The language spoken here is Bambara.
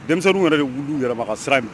Denmisɛnnin yɛrɛ de wu yɛrɛ sira minɛ